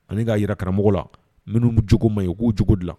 Ani k'a jira karamɔgɔ la minnu bɛ cogo ma ye k'u cogo dilan